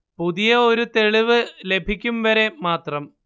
പുതിയ ഒരു തെളിവ് ലഭിക്കും വരെ മാത്രം